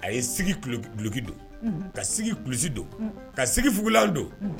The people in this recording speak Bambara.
A ye sigi duloki don ka sigi kulusi don ka sigiugulan don